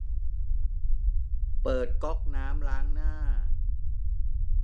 เปิดก๊อกน้ำล้างหน้า